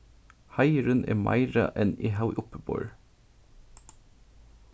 heiðurin er meira enn eg havi uppiborið